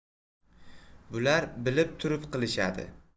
bular bilib turib qilishadi